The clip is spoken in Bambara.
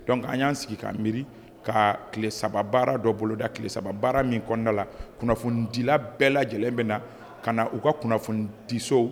Dɔnkuc an y'an sigi k kaan miiri ka tile saba baara dɔ boloda tile saba baara min kɔnda la kunnafonidila bɛɛ lajɛlen bɛ na ka na u ka kunnafonidiso